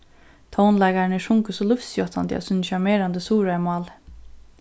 tónleikararnir sungu so lívsjáttandi á sínum sjarmerandi suðuroyarmáli